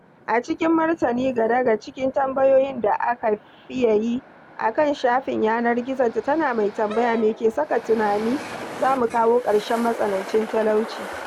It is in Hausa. A cikin martani ga daga cikin tambayoyin da aka faye yi a kan shafin yanar gizonta tana mai tambaya "me ke saka tunani za mu kawo karshen matsanancin talauci?"